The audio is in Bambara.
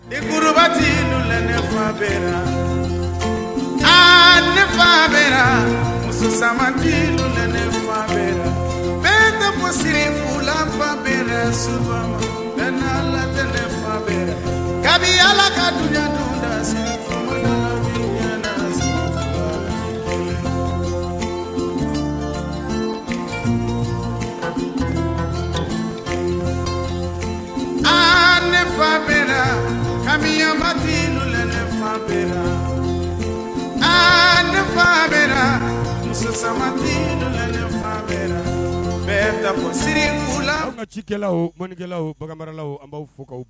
Nibati fa bɛ aa ne fa bɛ fa bɛ n nemu sirila ne fa kabinibi yalala ka tugu sina a ne fami min fa bɛ aa ne fa bɛ fa bɛ mɛ ko sirila ma cikɛlaw o kokɛlawlaw olaw b'aw fɔ